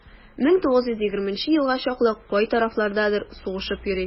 1920 елга чаклы кай тарафлардадыр сугышып йөри.